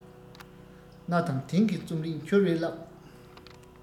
གནའ དང དེང གི རྩོམ རིག འཕྱུར བའི རླབས